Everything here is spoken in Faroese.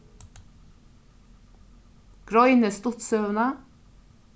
greinið stuttsøguna